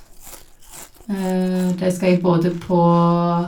Det skal jeg både på...